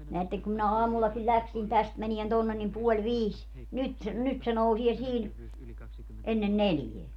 näette kun minä aamullakin lähdin tästä menemään tuonne niin puoli viisi nyt se nyt se nousee siinä ennen neljää